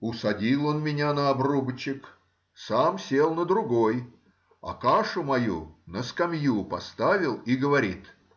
Усадил он меня на обрубочек, сам сел на другой, а кашу мою на скамью поставил и говорит